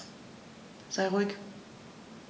Sei ruhig.